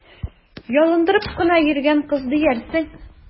Ялындырып кына йөргән кыз диярсең!